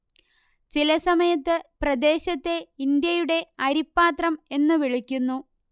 ചിലസമയത്ത് പ്രദേശത്തെ ഇന്ത്യയുടെ അരിപ്പാത്രം എന്നു വിളിക്കുന്നു